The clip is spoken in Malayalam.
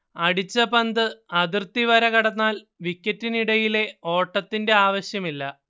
അടിച്ച പന്ത് അതിർത്തിവര കടന്നാൽ വിക്കറ്റിനിടയിലെ ഓട്ടത്തിന്റെ ആവശ്യമില്ല